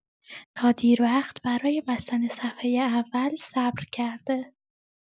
تا دیروقت برای بستن صفحۀ اول صبر کرده!